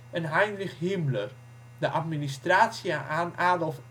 en Heinrich Himmler, de administratie aan Adolf